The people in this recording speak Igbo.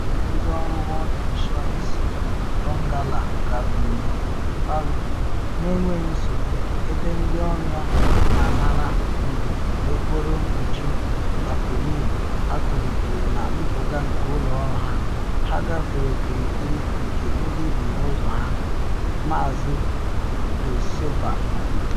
Ebe ndị ọrụ World Vision si Donggala garuru n’obodo Palu na enweghị nsogbu, ebe ndị ọrụ ya na anara ndo n’okpuru mkpuchi tapọlin atọlitere na mpụga nke ụlọ ọrụ ha, ha gafere okirikiri nke mbibi n’ụzọ ha, Maazị Doseba kwuru.